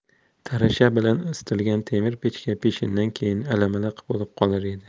tarasha bilan isitilgan temir pechka peshindan keyin ilimiliq bo'lib qolar edi